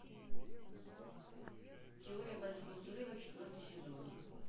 теория большого взрыва четвертый сезон